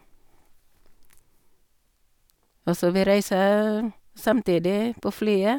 Og så vi reiser samtidig på flyet.